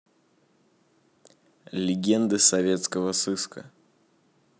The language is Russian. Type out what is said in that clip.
легенды советского сыска